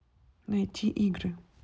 найти игры